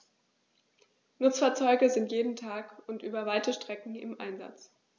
Nutzfahrzeuge sind jeden Tag und über weite Strecken im Einsatz.